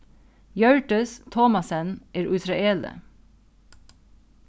hjørdis thomassen er ísraeli